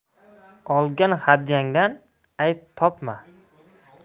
olgan hadyangday ayb topma